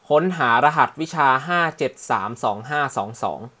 ค้นหารหัสวิชาห้าเจ็ดสามสองห้าสองสอง